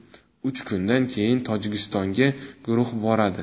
uch kundan keyin tojikistonga guruh boradi